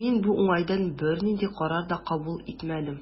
Мин бу уңайдан бернинди карар да кабул итмәдем.